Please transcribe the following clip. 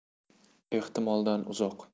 ehtimoldan uzoq